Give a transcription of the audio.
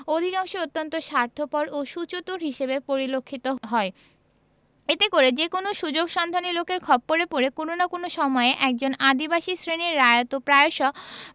অধিকাংশই অত্যন্ত স্বার্থপর ও সুচতুর হিসেবে পরিলক্ষিত হয় এতে করে যেকোন সুযোগ সন্ধানী লোকের খপ্পরে পড়ে কোন না কোন সময়ে একজন আদিবাসী শ্রেণীর রায়ত প্রায়শ